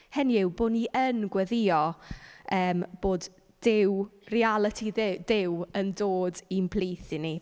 Hynny yw, bo' ni yn gweddïo yym bod Duw, realiti ddu- Duw, yn dod i'n plith i ni.